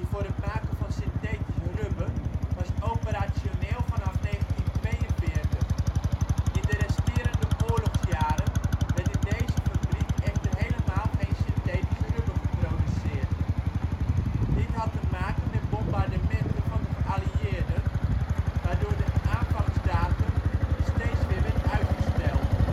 voor het maken van synthetisch rubber, was operationeel vanaf 1942. In de resterende oorlogsjaren werd in deze fabriek echter helemaal geen synthetisch rubber geproduceerd. Dit had te maken met bombardementen van de geallieerden, waardoor de aanvangsdatum steeds weer werd uitgesteld